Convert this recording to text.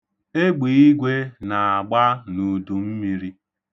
Egbiigwe na-agba n'udummiri.